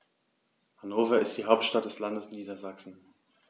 Hannover ist die Hauptstadt des Landes Niedersachsen.